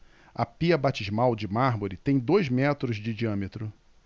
a pia batismal de mármore tem dois metros de diâmetro